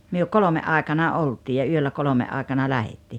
me kolmen aikana oltiin ja yöllä kolmen aikana lähdettiin